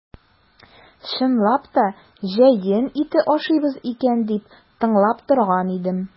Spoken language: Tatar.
Чынлап та җәен ите ашыйбыз икән дип тыңлап торган идем.